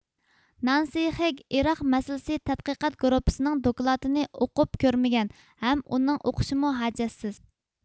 نانسى خېك ئىراق مەسىلىسى تەتقىقات گۇرۇپپىسىنىڭ دوكلاتىنى ئوقۇپ كۆرمىگەن ھەم ئۇنىڭ ئوقۇشىمۇ ھاجەتسىز